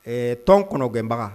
Ɛɛ tɔn kɔnɔgɛnbaga